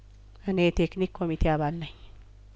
እኔ የቴክኒክ ኮሚቴው አባል ነኝ